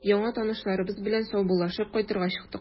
Яңа танышларыбыз белән саубуллашып, кайтырга чыктык.